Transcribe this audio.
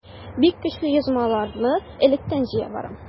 Бик көчле язмаларны электән җыя барам.